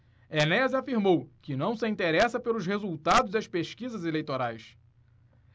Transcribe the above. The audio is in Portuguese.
enéas afirmou que não se interessa pelos resultados das pesquisas eleitorais